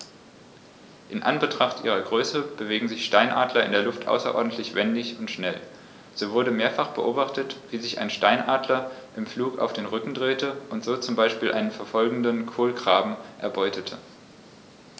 In Anbetracht ihrer Größe bewegen sich Steinadler in der Luft außerordentlich wendig und schnell, so wurde mehrfach beobachtet, wie sich ein Steinadler im Flug auf den Rücken drehte und so zum Beispiel einen verfolgenden Kolkraben erbeutete.